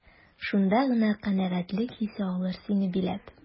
Шунда гына канәгатьлек хисе алыр сине биләп.